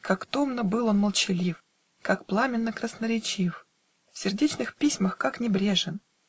Как томно был он молчалив, Как пламенно красноречив, В сердечных письмах как небрежен!